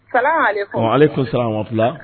salaamalekum . walekum salam wa rahamaulahh .